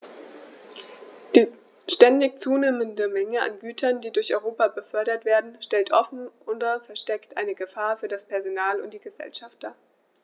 Die ständig zunehmende Menge an Gütern, die durch Europa befördert werden, stellt offen oder versteckt eine Gefahr für das Personal und die Gesellschaft dar.